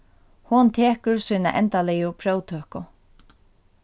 hon tekur sína endaligu próvtøku